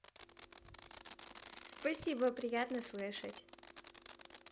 спасибо приятно слышать